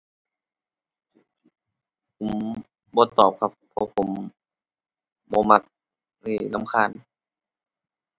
ผมบ่ตอบครับ เพราะผมบ่มัก รำคาญ